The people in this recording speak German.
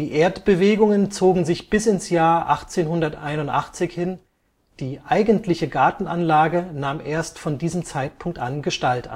Erdbewegungen zogen sich bis ins Jahr 1881 hin, die eigentliche Gartenanlage nahm erst von diesem Zeitpunkt Gestalt